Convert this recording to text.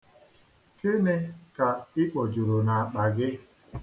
Gịnị ka i kpojuru n'akpa gị?